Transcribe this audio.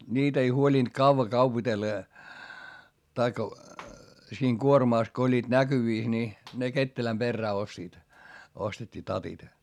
niitä ei huolinut kauan kaupitella ja tai siinä kuormassa kun olivat näkyvissä niin ne ketterän perään ostivat ostettiin tatit